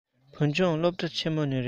བོད ལྗོངས སློབ གྲྭ ཆེན མོ ནས རེད